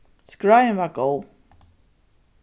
skráin var góð